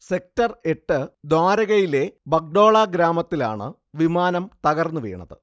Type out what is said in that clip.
sector എട്ട് ദ്വാരകയിലെ ബഗ്ഡോള ഗ്രാമത്തിലാണ് വിമാനം തകർന്നുവീണത്